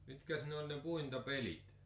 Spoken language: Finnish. mitkäs ne oli ne puintipelit